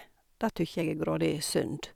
Det tykker jeg er grådig synd.